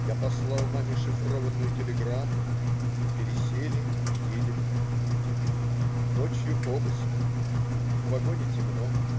Я послал маме шифрованную телеграмму. Пересели и едем. Ночью - обыск. В вагоне темно.